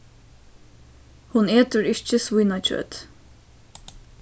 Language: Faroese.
hon etur ikki svínakjøt